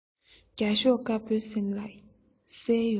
རྒྱ ཤོག དཀར པོའི སེམས ལ གསལ ཡོང ངོ